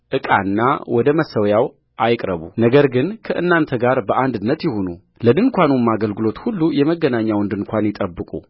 ዕቃና ወደ መሠዊያው አይቅረቡነገር ግን ከእናንተ ጋር በአንድነት ይሁኑ ለድንኳኑም አገልግሎት ሁሉ የመገናኛውን ድንኳን ይጠብቁ